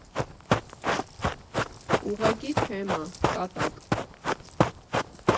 Ուղղակի թեմա՝ կատակ։